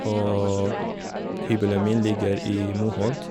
Og hybelen min ligger i Moholt.